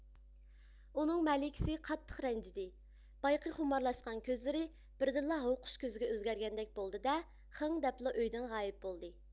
ئۇنىڭ مەلىكىسى قاتتىق رەنجىدى بايىقى خۇمارلاشقان كۆزلىرى بىردىنلا ھوقۇش كۆزىگە ئۆزگەرگەندەك بولدى دە خىڭ دەپلا ئۆيدىن غايىپ بولدى